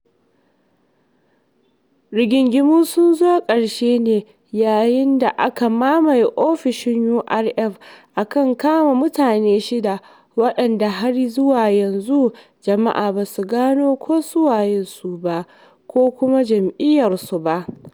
Rigingimun sun zo ƙarshe ne yayin da aka mamaye ofishin URF aka kama mutane shida waɗanda har zuwa yanzu jama'a ba su gano ko su waye su ba ko kuma jam'iyyarsu ba.